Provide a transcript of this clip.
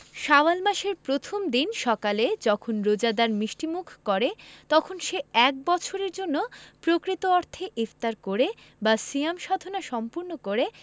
শাওয়াল মাসের প্রথম দিন সকালে যখন রোজাদার মিষ্টিমুখ করে তখন সে এক বছরের জন্য প্রকৃত অর্থে ইফতার করে বা সিয়াম সাধনা সম্পূর্ণ করে